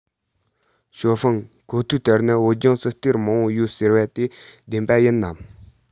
ཞའོ ཧྥུང གོ ཐོས ལྟར ན བོད ལྗོངས སུ གཏེར མང པོ ཡོད ཟེར བ དེ བདེན པ ཡིན ནམ